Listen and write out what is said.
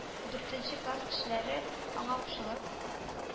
Дүртенче класс кешеләре аңа кушылып: